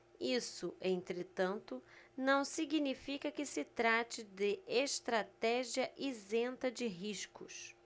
isso entretanto não significa que se trate de estratégia isenta de riscos